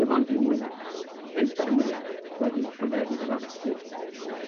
dim ond ryw mwy na pump ar y mwya doedd ddim rhyfedd iddo fo fethu.